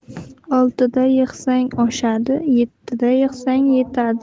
oltida yig'sang oshadi yettida yig'sang yetadi